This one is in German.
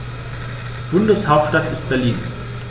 Bundeshauptstadt ist Berlin.